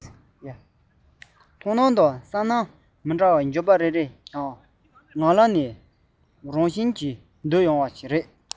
མཐོང སྣང དང བསམ སྣང མི འདྲ བའི བརྗོད པ རེ རེ ཡང ངག ལམ ནས རང བཞིན གྱིས བརྡོལ འོང བ དེ ནི